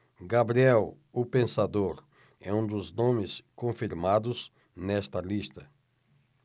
gabriel o pensador é um dos nomes confirmados nesta lista